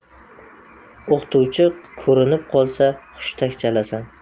o'qituvchi ko'rinib qolsa hushtak chalasan